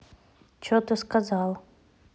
че ты сказал